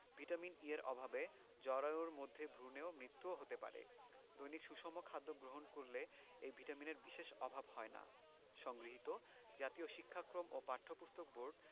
vitamin E এর অভাবে জরায়ুর মধ্যে ভ্রুনের মৃত্যুও হতে পারে দৈনিক সুষম খাদ্য গ্রহণ করলে এই ভিটামিনের বিশেষ অভাব হয় না সংগৃহীত জাতীয় শিক্ষাক্রম ও পাঠ্যপুস্তক বোর্ড